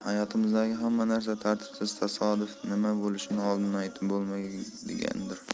hayotimizdagi hamma narsa tartibsiz tasodifiy nima bo'lishini oldindan aytib bo'lmaydigandir